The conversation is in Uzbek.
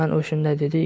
u shunday dedi yu